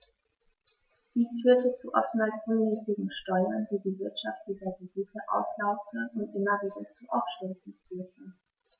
Dies führte zu oftmals unmäßigen Steuern, die die Wirtschaft dieser Gebiete auslaugte und immer wieder zu Aufständen führte.